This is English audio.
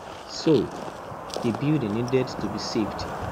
So, the building needed to be saved.